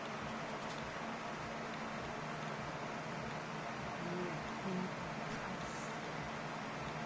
нет ты не пытаешься